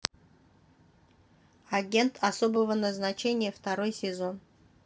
агент особого назначения второй сезон